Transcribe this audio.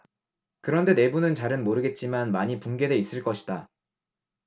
그런데 내부는 잘은 모르겠지만 많이 붕괴돼 있을 것이다